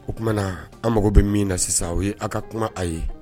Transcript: O tumaumana na an mago bɛ min na sisan o ye aw ka kuma a ye